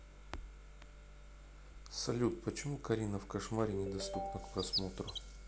салют почему карина в кошмаре не доступна к просмотру